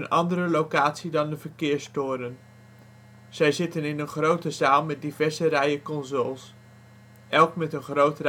andere locatie dan de verkeerstoren. Zij zitten in een grote zaal met diverse rijen consoles, elk met een groot radarscherm